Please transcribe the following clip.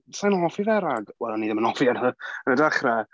Sa i'n hoffi fe rag- wel, o'n i ddim yn hoffi fe yn y dechrau.